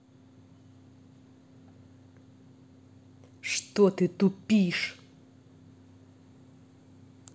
что ты тупишь